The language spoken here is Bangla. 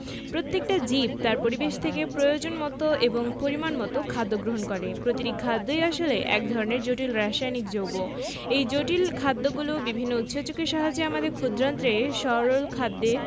প্রত্যেকটা জীব তার পরিবেশ থেকে প্রয়োজনমতো এবং পরিমাণমতো খাদ্য গ্রহণ করে প্রতিটি খাদ্যই আসলে এক ধরনের জটিল রাসায়নিক যৌগ এই জটিল খাদ্যগুলো বিভিন্ন উৎসেচকের সাহায্যে আমাদের ক্ষুদ্রান্তে সরল খাদ্যে